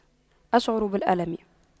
أشعر بالألم